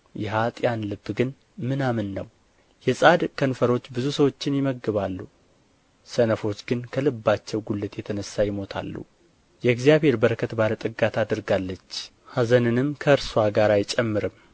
የኅጥኣን ልብ ግን ምናምን ነው የጻድቅ ከንፈሮች ብዙ ሰዎችን ይመግባሉ ሰነፎች ግን ከልባቸው ጕድለት የተነሣ ይሞታሉ የእግዚአብሔር በረከት ባለጠጋ ታደርጋለች ኀዘንንም ከእርስዋ ጋር አይጨምርም